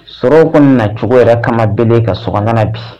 S kɔnɔna na cogo yɛrɛ kama bɛnen ka sonan bi